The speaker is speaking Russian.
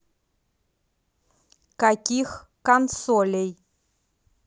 каких консолей